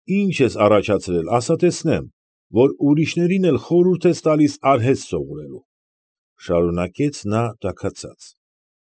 Ի՞նչ ես առաջացրել, ասա տեսնեմ, որ ուրիշներին էլ խորհուրդ ես տալիս արհեստ սովորելու,֊ շարունակեց նա տաքացած։